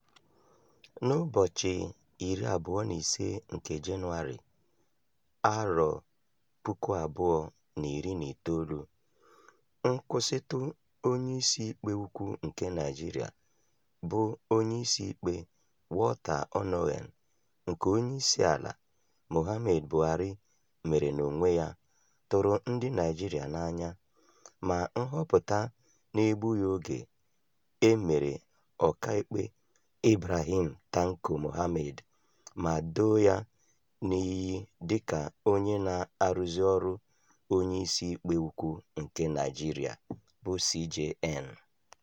N'ụbọchị 25 nke Jenụwarị, 2019, nkwụsịtụ Onyeisiikpe Ukwu nke Naịjirịa bụ Onyeisiikpe Walter Onnoghen nke Onyeisiala Muhammadu Buhari mere n'onwe ya tụrụ ndị Naịjirịa n'anya, ma nhọpụta na-egbughị oge e mere Ọkaikpe Ibrahim Tanko Muhammad ma doo ya iyi dịka onye na-arụzị ọrụ Onyeisiikpe Ukwu nke Naịjirịa (CJN).